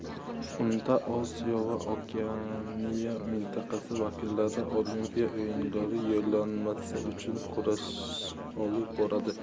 unda osiyo va okeaniya mintaqasi vakillari olimpiya o'yinlari yo'llanmasi uchun kurash olib boradi